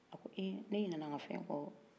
a ko eh ne ɲinɛna na ka fɛn kɔ